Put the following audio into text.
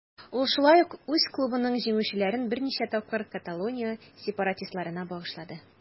Ул шулай ук үз клубының җиңүләрен берничә тапкыр Каталония сепаратистларына багышлады.